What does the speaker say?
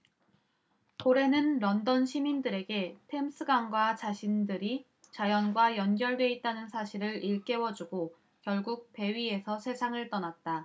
고래는 런던 시민들에게 템스강과 자신들이 자연과 연결돼 있다는 사실을 일깨워주고 결국 배 위에서 세상을 떠났다